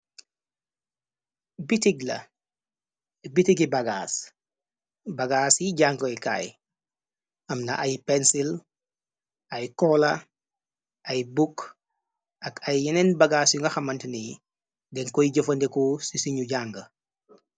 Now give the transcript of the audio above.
Bitig la bitigi bagaas bagaas yi jàngoykaay amna ay pensil ay coola ay bukk ak ay yeneen bagaas yu nga xamanti ni denkoy jëfandekoo ci siñu jànga.